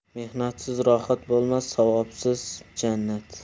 mehnatsiz rohat bo'lmas savobsiz jannat